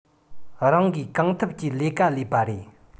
རང གིས གང ཐུབ ཀྱི ལས ཀ ལས པ རེད